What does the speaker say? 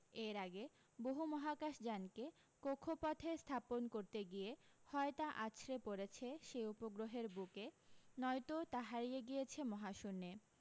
এর আগে বহু মহাকাশযানকে কক্ষপথে স্থাপন করতে গিয়ে হয় তা আছড়ে পড়েছে সেই উপগ্রহের বুকে নয়তো তা হারিয়ে গিয়েছে মহাশূন্যে